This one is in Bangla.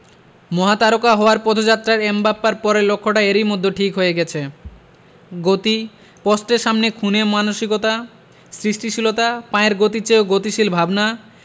মহাতারকা হওয়ার পথযাত্রায় এমবাপ্পার পরের লক্ষ্যটাও এরই মধ্যে ঠিক হয়ে গেছে গতি পোস্টের সামনে খুনে মানসিকতা সৃষ্টিশীলতা পায়ের গতির চেয়েও গতিশীল ভাবনা